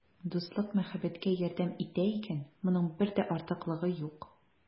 Дуслык мәхәббәткә ярдәм итә икән, моның бер дә артыклыгы юк.